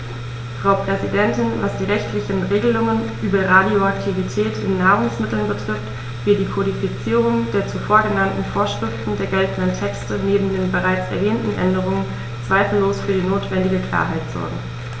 Frau Präsidentin, was die rechtlichen Regelungen über Radioaktivität in Nahrungsmitteln betrifft, wird die Kodifizierung der zuvor genannten Vorschriften der geltenden Texte neben den bereits erwähnten Änderungen zweifellos für die notwendige Klarheit sorgen.